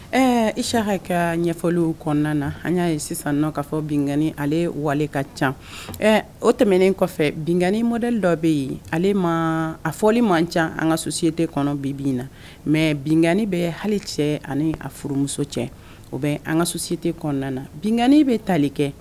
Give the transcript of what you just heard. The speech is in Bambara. Ɛɛ isa hakɛ ka ɲɛfɔliw kɔnɔna na an y'a ye sisan' kaa fɔ bingi ale wali ka ca o tɛmɛnen kɔfɛ bingi mɔd dɔ bɛ yen ale ma a fɔli man ca an ka susiyete kɔnɔ bin bin na mɛ binani bɛ hali cɛ ani a furumuso cɛ o bɛ an ka susite kɔnɔna na bingi bɛ tali kɛ